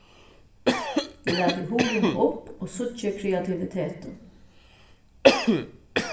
eg lati hurðina upp og síggi kreativitetin